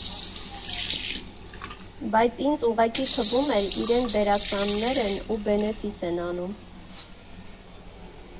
Բայց ինձ ուղղակի թվում էր՝ իրենք դերասաններ են ու բենեֆիս են անում։